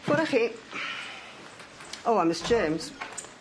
Ffwr' â chi. O a Miss James?